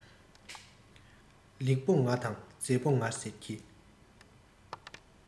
ལེགས པོ ང དང མཛེས པོ ང ཟེར གྱི